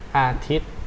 อาทิตย์